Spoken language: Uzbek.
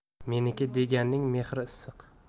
meniki deganning mehri issiq